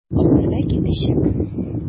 Ахырда китәчәк.